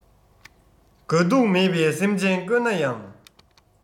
དགའ སྡུག མེད པའི སེམས ཅན དཀོན ན ཡང